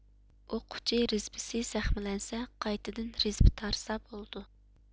ئوق ئۇچى رېزبسى زەخىملەنسە قايتىدىن رېزبا تارتسا بولىدۇ